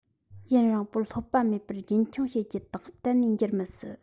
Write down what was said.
ཡུན རིང པོར ལྷོད པ མེད པར རྒྱུན འཁྱོངས བྱེད རྒྱུ དང གཏན ནས འགྱུར མི སྲིད